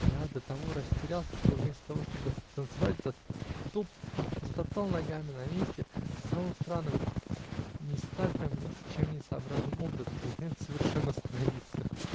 Я до того растерялся, что, вместо того чтобы танцевать, затопотал ногами на месте, самым странным, ни с тактом, ни с чем не сообразным образом, и наконец совершенно остановился.